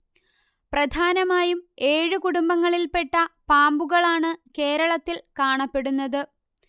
പ്രധാനമായും ഏഴ് കുടുംബങ്ങളിൽപ്പെട്ട പാമ്പുകളാണ് കേരളത്തിൽ കാണപ്പെടുന്നത്